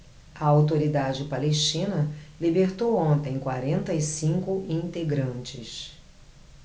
a autoridade palestina libertou ontem quarenta e cinco integrantes